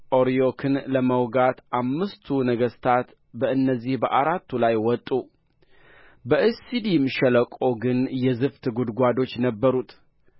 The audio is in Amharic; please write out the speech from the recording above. አርዮክን ለመውጋት አምስቱ ነገሥታት በእነዚህ በአራቱ ላይ ወጡ በሲዲም ሸለቆ ግን የዝፍት ጕድጓዶች ነበሩበት